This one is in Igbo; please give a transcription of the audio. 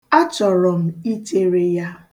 A chọrọ m i chere ya.